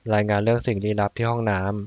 รายงานเรื่องสิ่งลี้ลับที่ห้องน้ำ